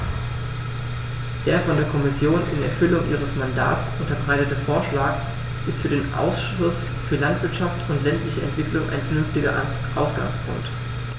Der von der Kommission in Erfüllung ihres Mandats unterbreitete Vorschlag ist für den Ausschuss für Landwirtschaft und ländliche Entwicklung ein vernünftiger Ausgangspunkt.